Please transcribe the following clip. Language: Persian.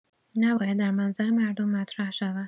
نباید در منظر مردم مطرح شود